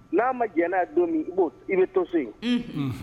N'a ma jɛ n'a don min i' i bɛ to so yen